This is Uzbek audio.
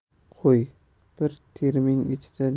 qo'y bir terming ichida